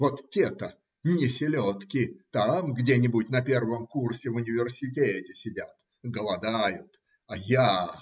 Вот те-то, не селедки, там где-нибудь на первом курсе в университете сидят, голодают, а я.